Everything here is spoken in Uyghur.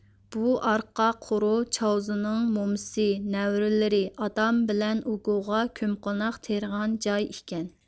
بۇ ئارقا قورۇ چاۋىزنىڭ مومىسى نەۋرىلىرى ئادام بىلەن ئۇگوغا كۆممىقوناق تېرىغان جاي ئىكەن